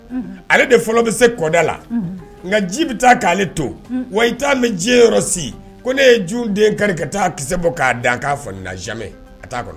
Ale de fɔlɔ bɛ se kɔda la nka ji bɛ taa k' ale to wa i t' ji yɔrɔ si ko ne ye jden kari ka taa ki bɔ k'a k'amɛ